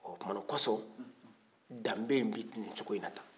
o tumana o kɔsɔn danbe in bɛ ni cogo in na